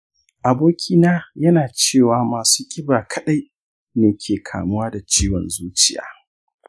abokina yana cewa masu kiba kaɗai ne ke kamuwa da ciwon zuciya.